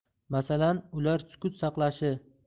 masalan ular sukut saqlashi